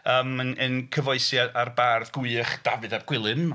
Yym ma'n yn cyfoesi â'r bardd gwych Dafydd ap Gwilym.